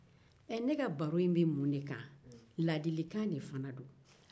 ɛ ne ka baro in bɛ mun de kan ladilikan de fana don